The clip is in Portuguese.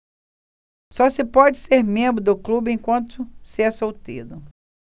só se pode ser membro do clube enquanto se é solteiro